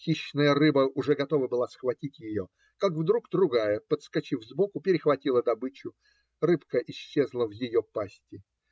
Хищная рыба уже готова была схватить ее как вдруг другая, подскочив сбоку, перехватила добычу рыбка исчезла в ее пасти.